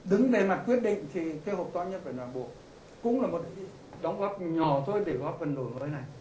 đứng về mặt quyết định thì cái hộp to nhất phải là bộ cũng là một đóng góp nhỏ thôi để góp phần đổi mới này